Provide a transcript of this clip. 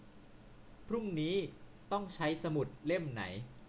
พรุ่งนี้ต้องใช้สมุดเล่มไหน